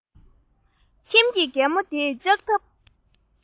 ཁྱིམ གྱི རྒན མོ དེས ལྕགས ཐབ